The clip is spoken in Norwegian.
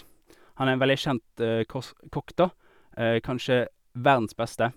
Han er en veldig kjent kos kokk, da, kanskje verdens beste.